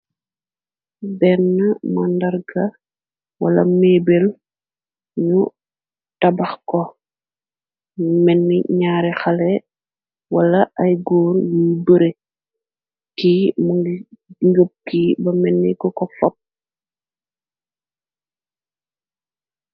benn màndarga wala meebel ñu tabax ko menni ñaare xale wala ay góor yuy bëre ki mu njop ki ba meni ko kop fop